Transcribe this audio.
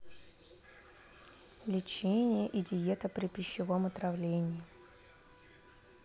лечение и диета при пищевом отравлении